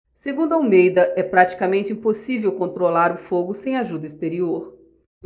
segundo almeida é praticamente impossível controlar o fogo sem ajuda exterior